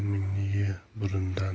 g'amingni ye burundan